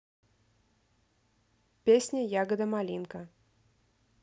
песня ягода малинка